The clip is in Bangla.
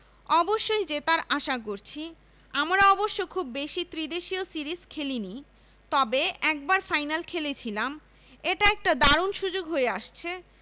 অবশ্যই জেতার আশা করছি আমরা অবশ্য খুব বেশি ত্রিদেশীয় সিরিজ খেলেনি তবে একবার ফাইনাল খেলেছিলাম এটা একটা দারুণ সুযোগ হয়ে আসছে